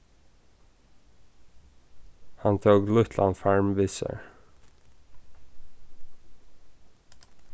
hann tók lítlan farm við sær